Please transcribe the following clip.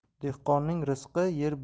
dehqonning rizqi yer